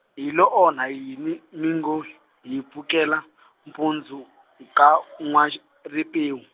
hi lo onha yini mi ngo, hi pfukela, mpundzu, ka , N'wa z- Ripewu?